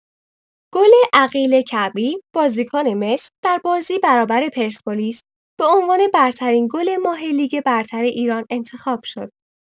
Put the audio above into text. گل عقیل کعبی بازیکن مس در بازی برابر پرسپولیس به عنوان برترین گل ماه لیگ برتر ایران انتخاب شد.